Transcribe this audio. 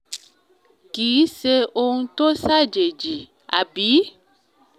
”Kì í ṣe ohun tó ṣàjèjì, àbí?”